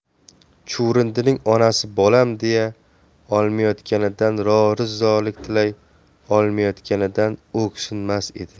chuvrindining onasi bolam deya olmayotganidan rozi rizolik tilay olmayotganidan o'kinmas edi